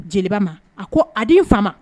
Jeliba a ko a di n fa